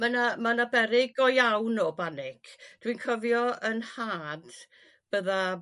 Ma' 'na ma' 'na beryg go iawn o banig dwi'n cofio 'yn nhad bydda